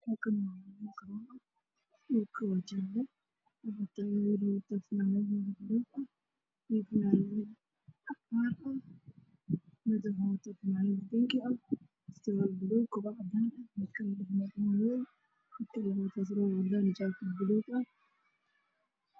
Waa wiilal garoon cagaar ayey joogaan